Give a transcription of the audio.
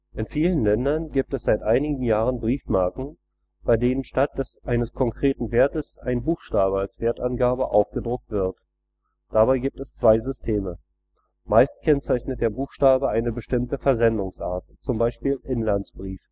In vielen Ländern gibt es seit einigen Jahren Briefmarken, bei denen statt eines konkreten Wertes ein Buchstabe als Wertangabe aufgedruckt wird. Dabei gibt es zwei Systeme: Meist kennzeichnet der Buchstabe eine bestimmte Versendungsart, z.B. Inlandsbrief